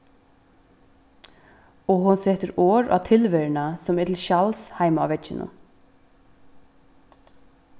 og hon setir orð á tilveruna sum er til skjals heima á vegginum